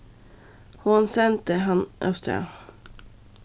hon sendi hann avstað